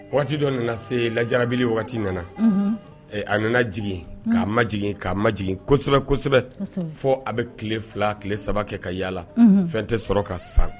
Waati dɔ nana se lajarabuli nana a nana jigin ka ma jigin kaa ma jigin kosɛbɛ fɔ a bɛ tile fila tile saba kɛ ka yalala fɛn tɛ sɔrɔ ka san